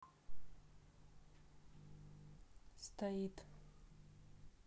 стоит